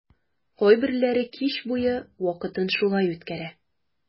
Кайберләре кич буе вакытын шулай үткәрә.